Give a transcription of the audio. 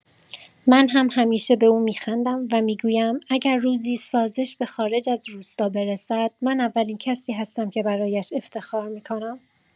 من هم همیشه به او می‌خندم و می‌گویم اگر روزی سازش به خارج از روستا برسد، من اولین کسی هستم که برایش افتخار می‌کنم.